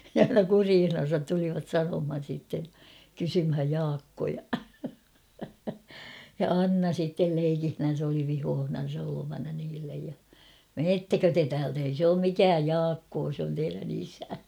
ne aina kureissansa tulivat sanomaan sitten kysymään Jaakkoa ja Anna sitten leikillänsä oli vihoissansa olevana niille ja menettekö te täältä ei se ole mikään Jaakko se on teidän isä